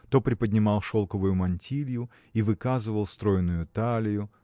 то приподнимал шелковую мантилью и выказывал стройную талию